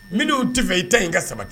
Minnu' tɛ fɛ i ta in ka sabati